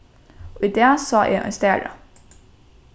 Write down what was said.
í dag sá eg ein stara